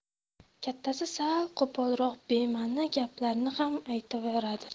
kattasi sal qo'polroq bema'ni gaplarni ham aytvoradi